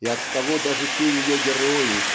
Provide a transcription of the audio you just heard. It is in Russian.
И оттого даже те ее герои